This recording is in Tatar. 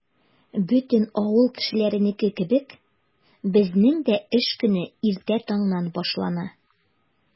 Бөтен авыл кешеләренеке кебек, безнең дә эш көне иртә таңнан башлана.